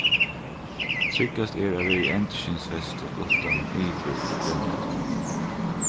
tryggast er at vera í endurskinsvesti uttan yvir rennijakkan